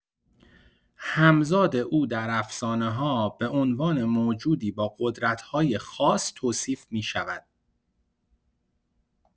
همزاد او در افسانه‌ها به عنوان موجودی با قدرت‌های خاص توصیف می‌شود.